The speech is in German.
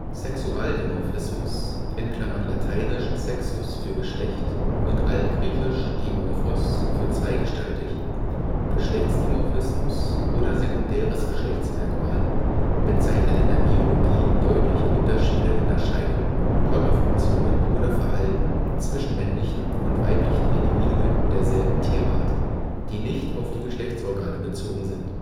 Sexualdimorphismus (lateinisch sexus „ Geschlecht “, und altgriechisch δίμορφος dímorphos „ zweigestaltig “), Geschlechts­dimorphismus oder sekundäres Geschlechts­merkmal bezeichnet in der Biologie deutliche Unterschiede in Erscheinung, Körperfunktionen oder Verhalten zwischen männlichen und weiblichen Individuen derselben (Tier) Art, die nicht auf die Geschlechtsorgane bezogen sind